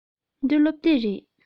འདི སློབ དེབ རེད